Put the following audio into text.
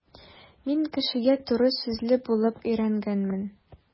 Мин кешегә туры сүзле булып өйрәнгәнмен.